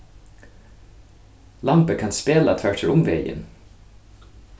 lambið kann spela tvørtur um vegin